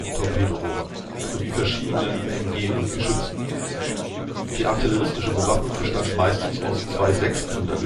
Torpedorohren sowie verschiedenen MG und Geschützen. Die artilleristische Bewaffnung bestand meistens aus zwei 6-Pfünder-Geschützen